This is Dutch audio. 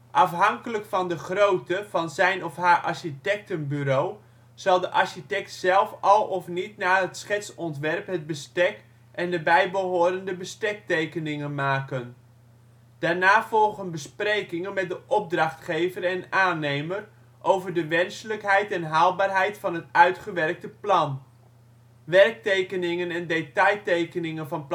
Afhankelijk van de grootte van zijn of haar architectenbureau zal de architect zelf al of niet na het schetsontwerp het bestek en de bijbehorende bestektekeningen maken. Daarna volgen besprekingen met de opdrachtgever en aannemer over de wenselijkheid en haalbaarheid van het uitgewerkte plan. Werktekeningen en detailtekeningen van plattegronden